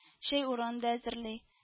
Чәй урынын да әзерли